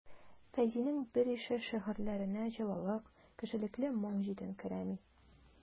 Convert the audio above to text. Фәйзинең берише шигырьләренә җылылык, кешелекле моң җитенкерәми.